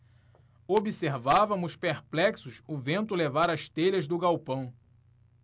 observávamos perplexos o vento levar as telhas do galpão